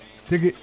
tigi